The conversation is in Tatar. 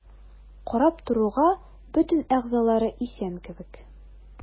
Карап торуга бөтен әгъзалары исән кебек.